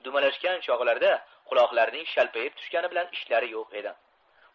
dumalashgan chog'larida quloqlarining shalpayib tushgani bilan ishlari yo'q edi